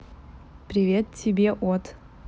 привет тебе от